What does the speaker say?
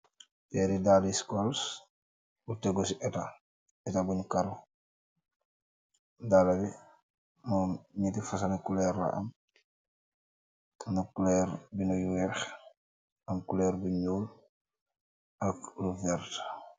Pééri dalli skolls bu tégu ci eta, eta buñ karo. Dalla bi mum ñénti fasong ngi kulor la am, am na kulor binda yu wèèx, am kulor bu ñuul ak bu werta.